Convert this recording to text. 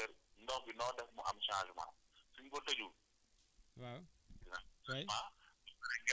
point d' eau bi fu mu nekk ak ba ba ngay ñibbi sa kër ndox bi noo def mu am changement su ñu ko tëjul